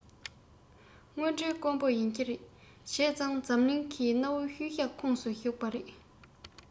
དངོས འབྲེལ དཀོན པོ ཡིན གྱི རེད བྱས ཙང འཛམ གླིང གི གནའ བོའི ཤུལ བཞག ཁོངས སུ བཞག པ རེད